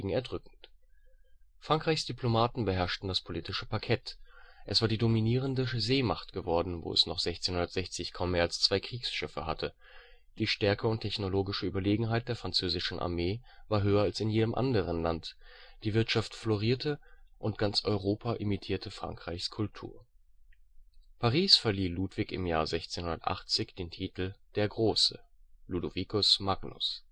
erdrückend. Frankreichs Diplomaten beherrschten das politische Parkett, es war die dominierende Seemacht geworden, wo es noch 1660 kaum mehr als zwei Kriegsschiffe hatte, die Stärke und technologische Überlegenheit der französischen Armee war höher als in jedem anderen Land, die Wirtschaft florierte und ganz Europa imitierte Frankreichs Kultur. Paris verlieh Ludwig im Jahr 1680 den Titel „ der Große “(Ludovicus Magnus